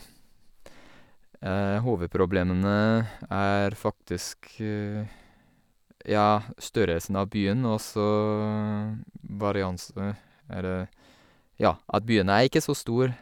Hovedproblemene er faktisk, ja, størrelsen av byen, og så, varianse eller, ja, at byen er ikke så stor.